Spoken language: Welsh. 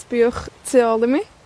Sbïwch tu ôl i mi.